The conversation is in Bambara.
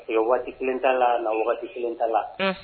U waati kelen ta la na waati kelen taa la